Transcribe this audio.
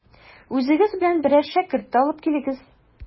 Үзегез белән берәр шәкерт тә алып килегез.